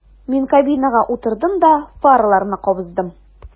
Мин кабинага утырдым да фараларны кабыздым.